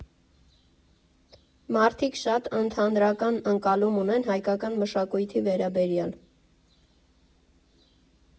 Մարդիկ շատ ընդհանրական ընկալում ունեն հայկական մշակույթի վերաբերյալ։